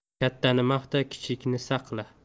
kattani maqta kichikni saqla